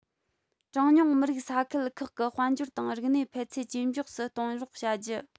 གྲངས ཉུང མི རིགས ས ཁུལ ཁག གི དཔལ འབྱོར དང རིག གནས འཕེལ ཚད ཇེ མགྱོགས སུ གཏོང རོགས བྱ རྒྱུ